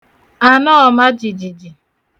ànọọ̄mājìjìjì